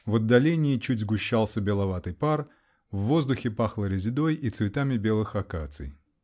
в отдалении чуть сгущался беловатый пар, в воздухе пахло резедой и цветами белых акаций.